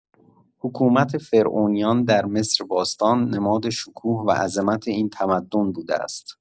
حکومت فرعونیان در مصر باستان، نماد شکوه و عظمت این تمدن بوده است.